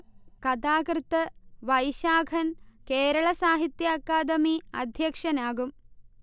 കഥാകൃത്ത് വൈശാഖൻ കേരള സാഹിത്യ അക്കാദമി അദ്ധ്യക്ഷനാകും